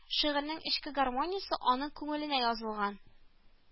Шигырьнең эчке гармониясе аның күңеленә язылган